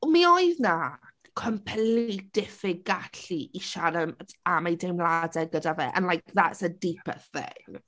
Mi oedd 'na complete diffyg gallu i siarad am ei deimladau gyda fe and like that's a deeper thing.